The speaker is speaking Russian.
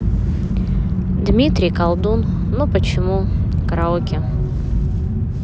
дмитрий колдун ну почему караоке